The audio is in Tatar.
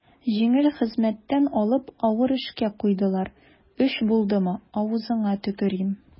Җиңел хезмәттән алып авыр эшкә куйдылар, өч булдымы, авызыңа төкерим.